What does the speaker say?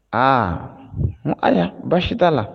A aya, baasi t'a la